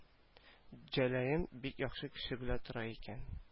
Җәләем бик яхшы кеше белән тора икән